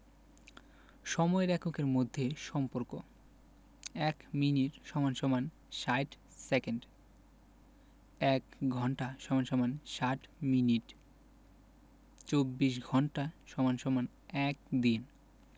সময়ের এককের মধ্যে সম্পর্কঃ ১ মিনিট = ৬০ সেকেন্ড ১ঘন্টা = ৬০ মিনিট ২৪ ঘন্টা = ১ দিন